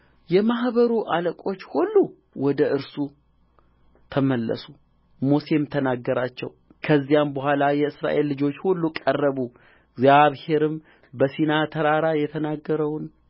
የማኅበሩን አለቆች ሁሉ ወደ እርሱ ተመለሱ ሙሴም ተናገራቸው ከዚያም በኋላ የእስራኤል ልጆች ሁሉ ቀረቡ እግዚአብሔርም በሲና ተራራ የተናገረውን